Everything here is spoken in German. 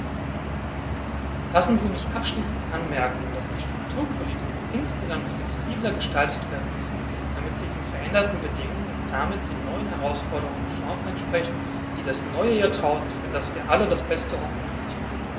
Lassen Sie mich abschließend anmerken, dass die Strukturpolitiken insgesamt flexibler gestaltet werden müssen, damit sie den veränderten Bedingungen und damit den neuen Herausforderungen und Chancen entsprechen, die das neue Jahrtausend, für das wir alle das Beste hoffen, mit sich bringt.